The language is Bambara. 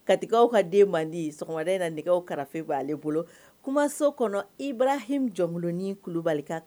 Katikaw ka den mandi sɔgɔmada in na nɛgɛw karafe b'ale bolo, kumaso kɔnɔ Iburahimu Jɔnkolonnin Kulibali ka